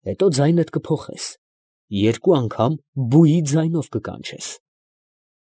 Հետո ձայնդ կփոխես. երկու անգամ բուի ձայնով կկանչես։